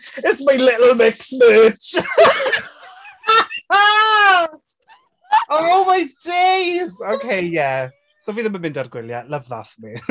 It's my Little Mix merch! Oh my days! Oce ie so fi ddim yn mynd ar gwyliau, love that for me.